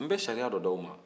n bɛ sariya dɔ d'aw ma